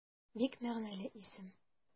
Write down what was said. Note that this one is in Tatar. Бик мәгънәле исем.